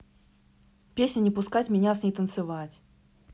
песня не пускать меня с ней танцевать